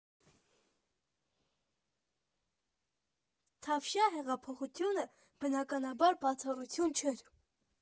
Թավշյա հեղափոխությունը, բնականաբար, բացառություն չէր։